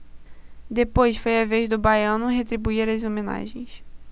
depois foi a vez do baiano retribuir as homenagens